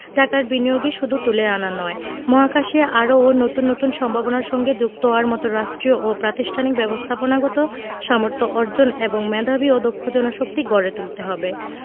টাকার বিনিয়োগই শুধু তুলে আনা নয় মহাকাশে আরও ও নতুন নতুন সম্ভাবনার সঙ্গে যুক্ত হওয়ার মতো রাষ্ট্রীয় ও প্রাতিষ্ঠানিক ব্যবস্থাপনাগত সামর্থ্য অর্জন এবং মেধাবী ও দক্ষ জনশক্তি গড়ে তুলতে হবে